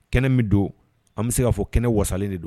Kɛnɛ bɛ don an bɛ se k ka fɔ kɛnɛ wasali de don